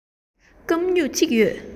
སྐམ སྨྱུག གཅིག ཡོད